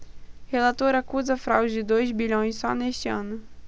relator acusa fraude de dois bilhões só neste ano